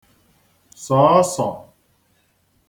sọ̀ọsọ̀